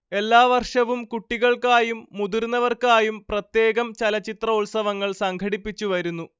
എല്ലാ വർഷവും കുട്ടികൾക്കായും മുതിർന്നവർക്കായും പ്രത്യേകം ചലച്ചിത്രോത്സവങ്ങൾ സംഘടിപ്പിച്ചുവരുന്നു